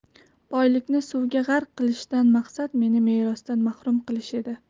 boylikni suvga g'arq qilishdan maqsad meni merosdan mahrum qilish edi